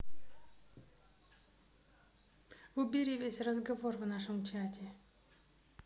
убери весь разговор в нашем чате